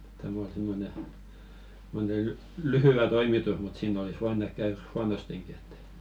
tämä oli semmoinen semmoinen lyhyt toimitus mutta siinä olisi voinut ehkä käydä huonostikin että